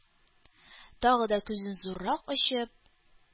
Тагы да күзен зуррак ачып,